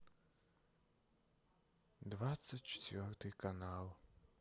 двадцать четвертый канал